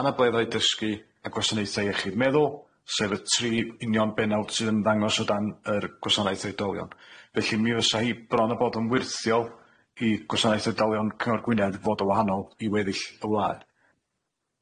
anableddau dysgu a gwasanaetha iechyd meddwl sef y tri union benawd sydd yn ddangos o dan yr gwasanaeth oedolion felly mi fysa hi bron a bod yn wyrthiol i gwasanaeth oedolion cyngor Gwynedd fod o wahanol i weddill y wlad.